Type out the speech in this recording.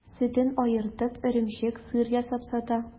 Сөтен аертып, эремчек, сыр ясап сата.